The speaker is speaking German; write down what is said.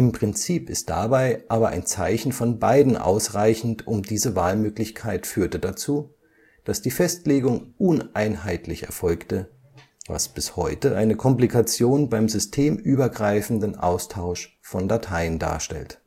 Prinzip ist dabei aber ein Zeichen von beiden ausreichend, und diese Wahlmöglichkeit führte dazu, dass die Festlegung uneinheitlich erfolgte, was bis heute eine Komplikation beim systemübergreifenden Austausch von Dateien darstellt